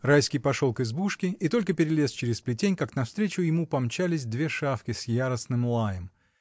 Райский пошел к избушке, и только перелез через плетень, как навстречу ему помчались две шавки с яростным лаем.